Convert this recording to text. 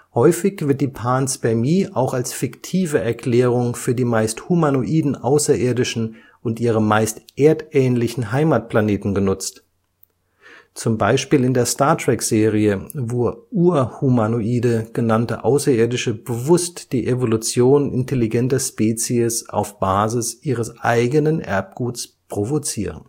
Häufig wird die Panspermie auch als fiktive Erklärung für die meist humanoiden Außerirdischen und ihre meist erdähnlichen Heimatplaneten genutzt. Zum Beispiel in der Star-Trek-Serie, wo Urhumanoide genannte Außerirdische bewusst die Evolution intelligenter Spezies auf Basis ihres eigenen Erbguts provozieren